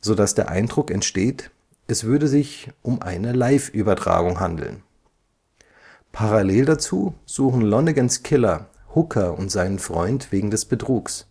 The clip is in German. sodass der Eindruck entsteht, es würde sich um eine Liveübertragung handeln. Parallel dazu suchen Lonnegans Killer Hooker und seinen Freund wegen des Betrugs